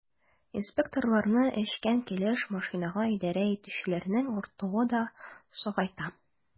Инспекторларны эчкән килеш машинага идарә итүчеләрнең артуы да сагайта.